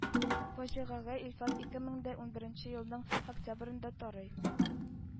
Фаҗигагә Илфат ике мең дә унберенче елның октябрендә тарый.